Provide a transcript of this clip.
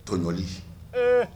Tɔɲɔli, ee